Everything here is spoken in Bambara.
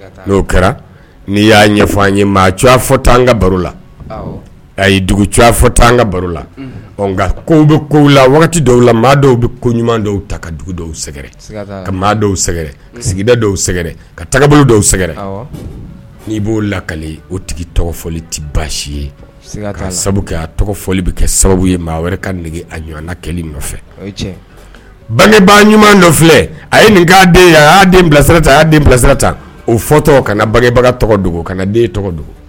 N'o kɛra n'i y'a ɲɛfɔ ye maa fɔ tan an ka baro la a ye dugu fɔ an ka baro la nka kow bɛ ko la dɔw la maa dɔw bɛ ko ɲuman dɔw ta ka dugu dɔw sɛgɛrɛ ka maa dɔw sɛgɛrɛ sigida dɔw sɛgɛrɛ ka taga dɔw sɛgɛrɛ n'i b'o lakale o tigi tɛ baasi ye ka sabuya tɔgɔli bɛ kɛ sababu ye maa wɛrɛ kage a ɲɔgɔn kɛ fɛ bangebaga ɲuman dɔ filɛ a ye nin' den ye a y'a den bilasirata'a den bilasira ta o fɔ tɔgɔ ka babaga tɔgɔ ka den tɔgɔ dogo